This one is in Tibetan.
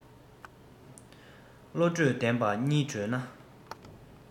བློ གྲོས ལྡན པ གཉིས བགྲོས ན